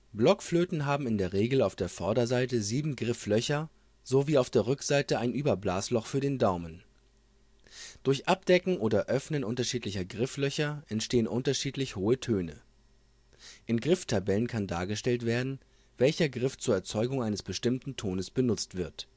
Blockflöten haben in der Regel auf der Vorderseite 7 Grifflöcher sowie auf der Rückseite ein Überblasloch für den Daumen. Durch Abdecken oder Öffnen unterschiedlicher Grifflöcher entstehen unterschiedlich hohe Töne. In Grifftabellen kann dargestellt werden, welcher Griff zur Erzeugung eines bestimmten Tones benutzt wird